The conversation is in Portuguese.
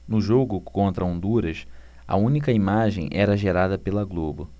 no jogo contra honduras a única imagem era gerada pela globo